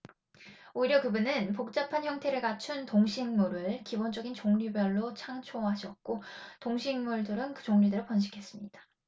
오히려 그분은 복잡한 형태를 갖춘 동식물을 기본적인 종류별로 창조하셨고 동식물들은 그 종류대로 번식했습니다